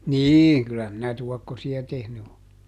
niin kyllä minä tuokkosia tehnyt olen